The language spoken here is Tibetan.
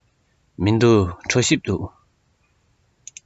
མི འདུག གྲོ ཞིབ འདུག